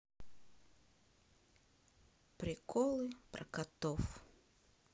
приколы про котов